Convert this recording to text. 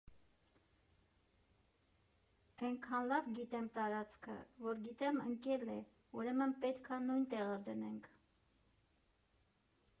Էնքան լավ գիտեմ տարածքը, որ գիտեմ՝ ընկել է, ուրեմն պետք ա նույն տեղը դնենք։